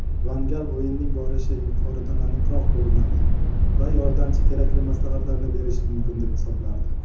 van gal o'yinning borishi yuqoridan aniqroq ko'rinadi va yordamchi kerakli maslahatlarni berishi mumkin deb hisoblardi